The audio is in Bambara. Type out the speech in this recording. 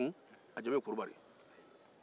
a jamu ye kulubali